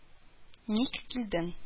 Ник килдең